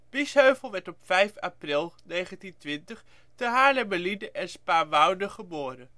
Biesheuvel werd op 5 april 1920 te Haarlemmerliede en Spaarnwoude geboren